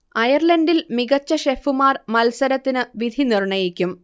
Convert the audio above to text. അയർലണ്ടിൽ മികച്ച ഷെഫുമാർ മത്സരത്തിനു വിധി നിർണയിക്കും